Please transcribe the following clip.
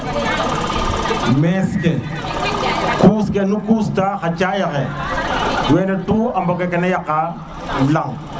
méche ke couche ke nu couche ta xa caƴa xe wene tout a mboga no ke na yaqa lang